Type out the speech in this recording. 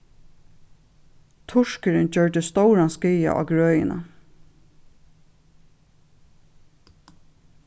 turkurin gjørdi stóran skaða á grøðina